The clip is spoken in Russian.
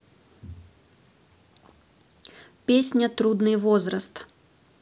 песня трудный возраст